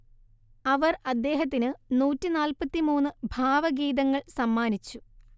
അവർ അദ്ദേഹത്തിന് നൂറ്റി നാല്പത്തി മൂന്ന് ഭാവഗീതങ്ങൾ സമ്മാനിച്ചു